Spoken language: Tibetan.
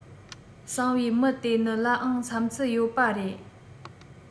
སངས བའི མི དེ ནི ལའང བསམ ཚུལ ཡོད པ རེད